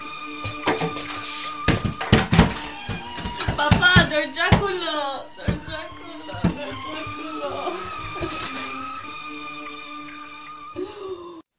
বাবা দরজা খোলো দরজা খোলো দরজা খোলো